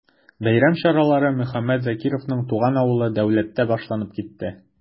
Бәйрәм чаралары Мөхәммәт Закировның туган авылы Дәүләттә башланып китте.